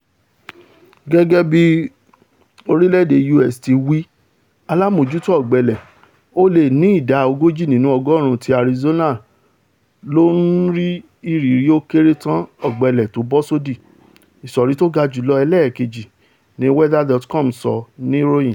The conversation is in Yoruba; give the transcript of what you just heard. Gẹ́gẹ́bí orílẹ̀-èdè U.S. ti wí Aláàmójútó Ọ̀gbẹlẹ̀, ó lé ní ìdá ogójì nínú ọgọ́ọ̀rún ti Arizona ló ńní ìrírì ó kéré tán ọ̀gbẹlẹ̀ tó bọ́ sódì, ìṣọ̀rí tóga jùlọ ẹlẹ́ẹ̀keji,'' ní weather.com sọ níròyìn.